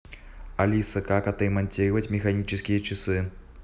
алиса как отремонтировать механические часы